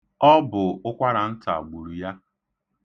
Ọ bụ ụkwaranta gburu ya.